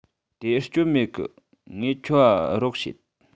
དེ སྐྱོན མེད གི ངས ཁྱོད འ རོགས ཡེད